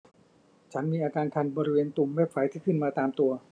ฉันมีอาการคันบริเวณตุ่มเม็ดไฝที่ขึ้นมาตามตัว